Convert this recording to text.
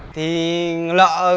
thì nợ